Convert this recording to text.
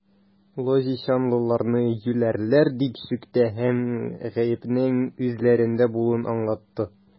Лозищанлыларны юләрләр дип сүкте һәм гаепнең үзләрендә булуын аңлатты.